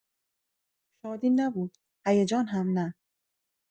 شادی نبود، هیجان هم نه؛